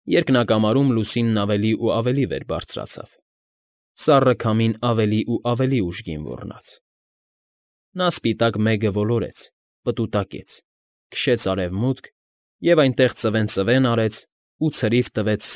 Երկնակամարում լուսինն ավելի ու ավելի վեր բարձրացավ, սառը քամին ավելի ու ավելի ուժգին ոռնաց, նա սպիտակ մեգը ոլորեց, պտուտակեց, քշեց արևմուտք և այնտեղ ծվեն֊ծվեն արեց ու ցրիվ տվեց։